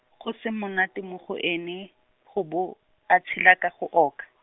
go se monate mo go ene, go bo, a tshela ka go oka.